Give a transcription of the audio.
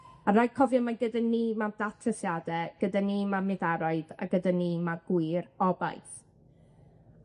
A raid cofio mai gyda ni ma'r datrysiade, gyda ni ma'r niferoedd, a gyda ni ma'r gwir obaith.